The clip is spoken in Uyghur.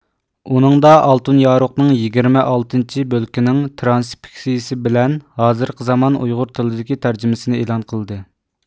ئۇنىڭدا ئالتۇن يارۇقنىڭ يىگىرمە ئالتىنچى بۆلىكىنىڭ ترانسكرىپسىيىسى بىلەن ھازىرقى زامان ئۇيغۇر تىلىدىكى تەرجىمىسىنى ئېلان قىلدى